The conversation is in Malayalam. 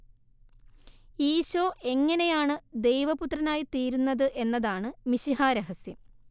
ഈശോ എങ്ങനെയാണ് ദൈവപുത്രനായി തീരുന്നത് എന്നതാണ് മിശിഹാരഹസ്യം